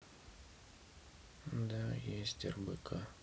да есть рбк